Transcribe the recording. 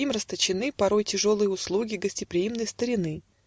им расточены Порой тяжелые услуги Гостеприимной старины.